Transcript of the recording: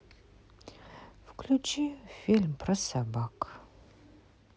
включи фильм про собак